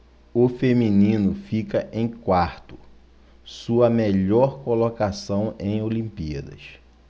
o feminino fica em quarto sua melhor colocação em olimpíadas